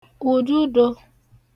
ùdudō